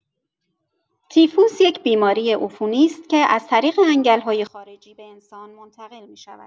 تیفوس یک بیماری عفونی است که از طریق انگل‌های خارجی به انسان منتقل می‌شود.